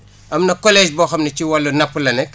am na collège boo xam ne ci wàllu napp la nekk